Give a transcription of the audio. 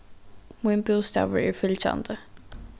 mín bústaður er fylgjandi